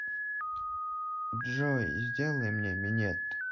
джой сделай мне минет